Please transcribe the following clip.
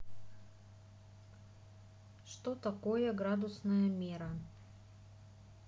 что такое градусная мера